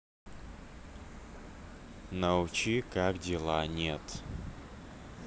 научи как дела нет